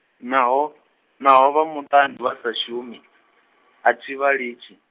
naho, naho vha muṱani vhasa shumi, a thi vha litshi.